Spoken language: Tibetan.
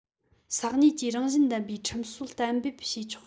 ས གནས ཀྱི རང བཞིན ལྡན པའི ཁྲིམས སྲོལ གཏན འབེབས བྱས ཆོག